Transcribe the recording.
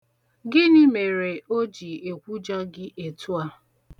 Gịnị mere o ji ekwujọ gị etu a?